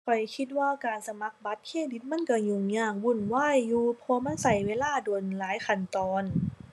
ข้อยคิดว่าการสมัครบัตรเครดิตมันก็ยุ่งยากวุ่นวายอยู่ เพราะว่ามันก็เวลาโดน หลายขั้นตอน